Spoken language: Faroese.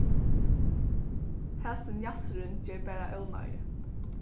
hasin jassurin ger bara ónáðir